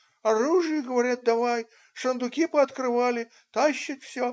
оружие, говорят, давай, сундуки пооткрывали, тащат все.